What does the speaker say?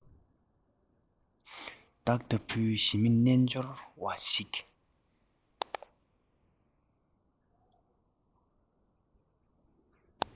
བདག ལྟ བུའི ཞི མི རྣལ འབྱོར བ ཞིག